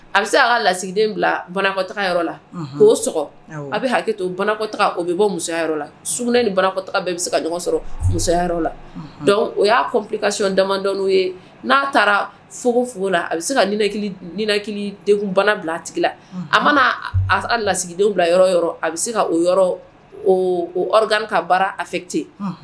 A bɛ se a ka lasigiden bila banakɔtaa yɔrɔ la k'o sɔgɔ a bɛ hakɛ to banakɔtaa o bɛ bɔ musoyɔrɔ la s ni banakɔtaa bɛɛ bɛ se ka ɲɔgɔn sɔrɔ muso la o y'a kɔn kasiɔn damadɔ' ye n'a taara fougula a bɛ se ka den bana bila a tigila a mana a lasigidenw bila yɔrɔ yɔrɔ a bɛ se ka o yɔrɔd ka baara a fɛ ten